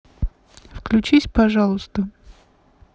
включись пожалуйста